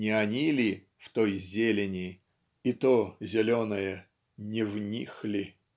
"не они ли в той зелени, и то зеленое не в них ли?".